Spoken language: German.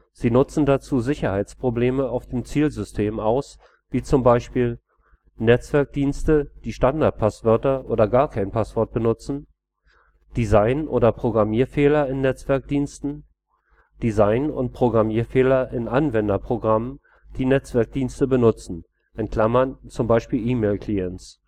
Sie nutzen dazu Sicherheitsprobleme auf dem Zielsystem aus, wie zum Beispiel: Netzwerkdienste, die Standardpasswörter oder gar kein Passwort benutzen, Design - und Programmierfehler in Netzwerkdiensten, Design - und Programmierfehler in Anwenderprogrammen, die Netzwerkdienste benutzen (zum Beispiel E-Mail-Clients